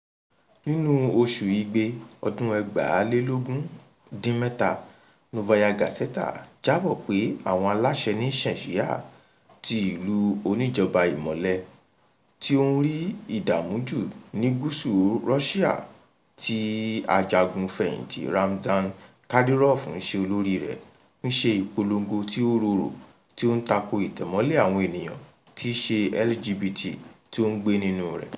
Nínú oṣù Igbe 2017, Novaya Gazeta jábọ̀ pé àwọn aláṣẹ ní Chechnya, ti ìlú oníjọba Ìmọ́lẹ̀ tí ó ń rí ìdààmú jù ní gúúsù Russia tí ajagun fẹ̀yìntì Ramzan Kadyrov, ń ṣe olóríi rẹ̀, ń ṣe ìpolongo tí ó rorò tí ó ń tako ìtẹ̀mọ́lẹ̀ àwọn ènìyàn tí í ṣe LGBT tí ó ń gbé nínúu rẹ̀.